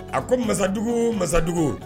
A ko masadugu masadugu